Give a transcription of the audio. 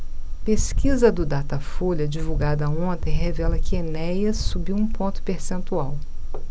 pesquisa do datafolha divulgada ontem revela que enéas subiu um ponto percentual